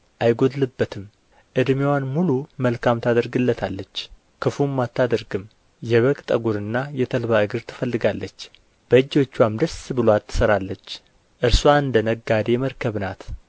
አይጐድልበትም ዕድሜዋን ሙሉ መልካም ታደርግለታለች ክፉም አታደርግም የበግ ጠጕርና የተልባ እግር ትፈልጋለች በእጆችዋም ደስ ብሎአት ትሠራለች እርስዋ እንደ ነጋዴ መርከብ ናት